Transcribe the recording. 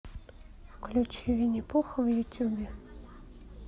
включи винни пуха в ютубе